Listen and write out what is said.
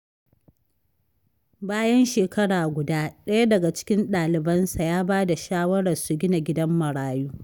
Bayan shekara guda, ɗaya daga cikin ɗalibansa ya ba da shawarar su gina gidan marayu.